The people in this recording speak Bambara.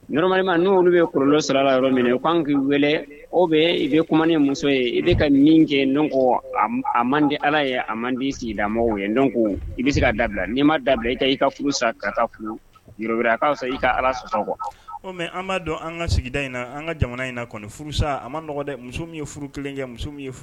Ɔrɔmama n' olu bɛ kolon sira yɔrɔ minɛ k' k'i weele o bɛɛ i bɛ kuma muso ye i bɛ ka kɛ ko a man di ala ye a man di sigi lamɔ ye i bɛ se ka dabila nii ma dabila i ka ka furu san ka furu yɔrɔ wɛrɛ k' i ka ala o mɛ an b'a dɔn an ka sigida in na an ka jamana in kɔnɔ furusa a man dɔgɔ dɛ muso min ye furu kelen kɛ muso min ye furu